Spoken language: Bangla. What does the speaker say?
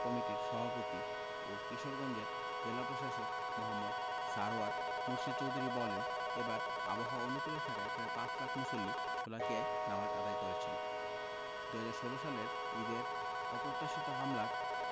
কমিটির সভাপতি ও কিশোরগঞ্জের জেলা প্রশাসক মো. সারওয়ার মুর্শেদ চৌধুরী বলেন এবার আবহাওয়া অনুকূলে থাকায় প্রায় পাঁচ লাখ মুসল্লি শোলাকিয়ায় নামাজ আদায় করেছেন ২০১৬ সালের ঈদের অপ্রত্যাশিত হামলার